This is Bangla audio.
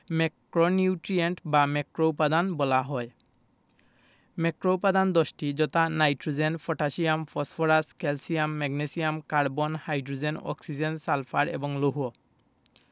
ম্যাক্রোনিউট্রিয়েন্ট বা ম্যাক্রোউপাদান বলা হয় ম্যাক্রোউপাদান ১০ টি যথা nitrogen potassium phosphorus calcium magnesium carbon hydrogen oxygen sulphur এবং লৌহ